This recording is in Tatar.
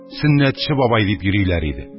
Сөннәтче бабай дип йөриләр иде.